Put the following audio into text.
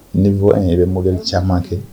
Ni bɔ in ye i bɛ moli caman kɛ